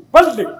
Baasise